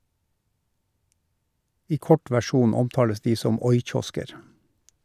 I kort versjon omtales de som oi-kiosker.